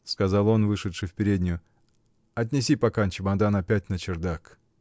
— сказал он, вышедши в переднюю, — отнеси пока чемодан опять на чердак!